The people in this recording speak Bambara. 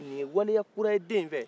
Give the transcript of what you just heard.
ni ye waleya kura ye den in fɛ